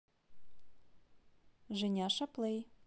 женяша плей